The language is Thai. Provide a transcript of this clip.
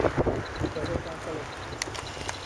เปิดรายการตลก